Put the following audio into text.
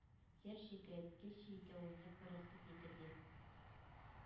Яшь Җегет Килче икәү уйныйк бераз кети-кети